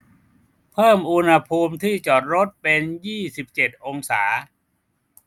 เพิ่มอุณหภูมิที่จอดรถเป็นยี่สิบเจ็ดองศา